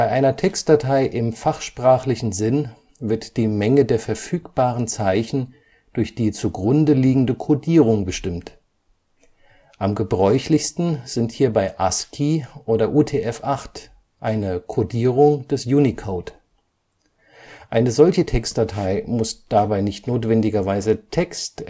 einer Textdatei im fachsprachlichen Sinn wird die Menge der verfügbaren Zeichen durch die zugrunde liegende Codierung bestimmt. Am gebräuchlichsten sind hierbei ASCII oder UTF8, eine Codierung des Unicode. Eine solche Textdatei muss dabei nicht notwendigerweise Text